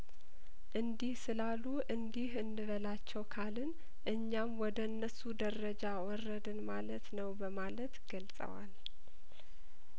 እንዲህ ስላሉ እንዲህ እንበላቸው ካልን እኛም ወደ እነሱ ደረጃ ወረድን ማለት ነው በማለት ገልጸዋል